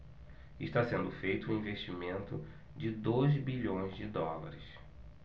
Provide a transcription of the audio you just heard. está sendo feito um investimento de dois bilhões de dólares